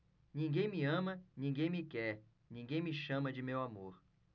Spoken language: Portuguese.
ninguém me ama ninguém me quer ninguém me chama de meu amor